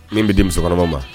Min bɛ di musokɔrɔbama ma